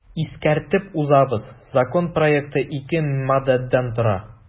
Искәртеп узабыз, закон проекты ике маддәдән тора.